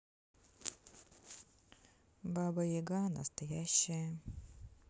баба яга настоящая